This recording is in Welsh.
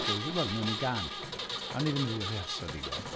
So wedes i wel wnewn ni gân. O'n i ddim wedi rehyrso digon.